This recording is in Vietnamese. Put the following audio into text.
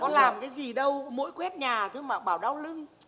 có làm cái gì đâu mỗi quét nhà thôi mà bảo đau lưng